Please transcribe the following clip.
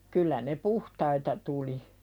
kyllä ne puhtaita tuli